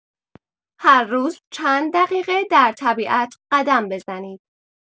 هر روز چند دقیقه در طبیعت قدم بزنید.